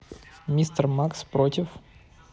мистер макс против